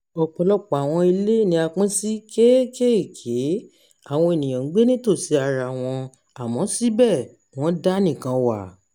Ọ̀pọ̀lọpọ̀ àwọn ilé ni a pín sí kéékèèké. Àwọn ènìyàn ń gbé ní tòsí ara wọn, àmọ́ síbẹ̀, wọ́n dá níkan wà